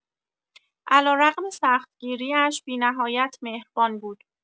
علی‌رغم سخت‌گیری‌اش بی‌نهایت مهربان بود.